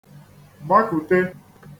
gbakùte